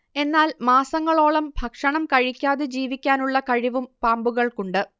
എന്നാൽ മാസങ്ങളോളം ഭക്ഷണം കഴിക്കാതെ ജീവിക്കാനുള്ള കഴിവും പാമ്പുകൾക്കുണ്ട്